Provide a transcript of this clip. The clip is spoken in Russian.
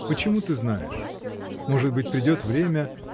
— Почему ты знаешь: может быть, придет время.